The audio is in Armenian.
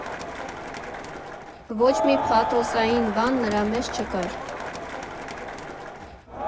Ոչ մի պաթոսային բան նրա մեջ չկար։